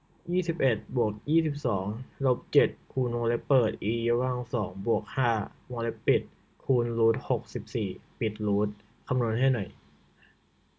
ยี่สิบเอ็ดบวกยี่สิบสองลบเจ็ดคูณวงเล็บเปิดอียกกำลังสองบวกห้าวงเล็บปิดคูณรูทหกสิบสี่ปิดรูทคำนวณให้หน่อย